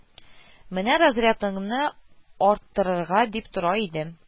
Менә разрятыңны арттырырга дип тора идем